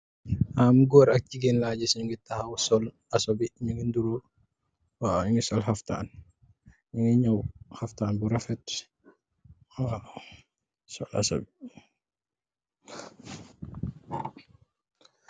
Góor ak jigéen laa gis ñu ngi sol asobi, ñu ngi niroo. Waaw, ñi ngi sol xaftaan. Ñu ngi ñaw, xaftaan bu rafet, waaw, sol asobi.